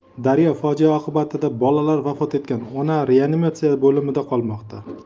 daryo fojia oqibatida bolalar vafot etgan ona reanimatsiya bo'limida qolmoqda